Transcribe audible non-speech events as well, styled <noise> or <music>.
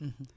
<hesitation> <hesitation>